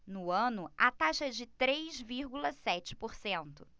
no ano a taxa é de três vírgula sete por cento